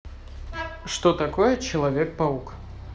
что такое человек паук